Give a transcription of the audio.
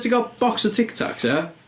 Ti'n cael bocs o Tic Tacs, ia?